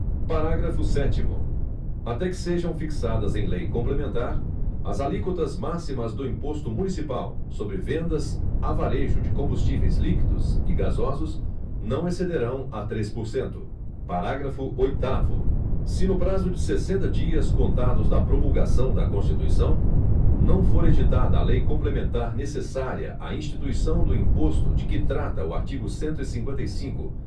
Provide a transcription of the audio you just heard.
parágrafo sétimo até que sejam fixadas em lei complementar as alíquotas máximas do imposto municipal sobre vendas a varejo de combustíveis líquidos e gasosos não excederão a três por cento parágrafo oitavo se no prazo de sessenta dias contados da promulgação da constituição não for editada a lei complementar necessária à instituição do imposto de que trata o artigo cento e cinquenta e cinco